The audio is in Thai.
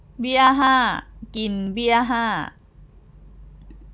เบี้ยห้ากินเบี้ยห้า